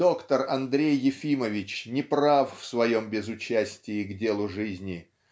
Доктор Андрей Ефимович не прав в своем безучастии к делу жизни